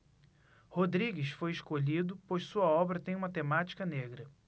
rodrigues foi escolhido pois sua obra tem uma temática negra